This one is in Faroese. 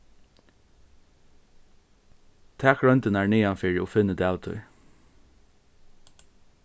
tak royndirnar niðanfyri og finn út av tí